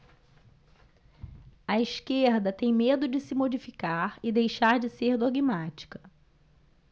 a esquerda tem medo de se modificar e deixar de ser dogmática